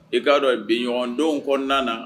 E'a dɔn ye biɲɔgɔndon kɔnɔna na